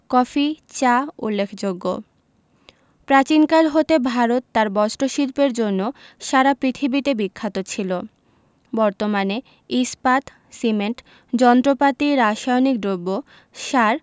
coffee চা উল্লেখযোগ্য প্রাচীনকাল হতে ভারত তার বস্ত্রশিল্পের জন্য সারা পৃথিবীতে বিখ্যাত ছিল বর্তমানে ইস্পাত সিমেন্ট যন্ত্রপাতি রাসায়নিক দ্রব্য সার